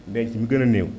ndenc mi gën a néew